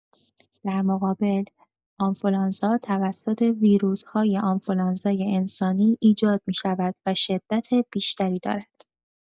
در مقابل، آنفولانزا توسط ویروس‌های آنفولانزای انسانی ایجاد می‌شود و شدت بیشتری دارد.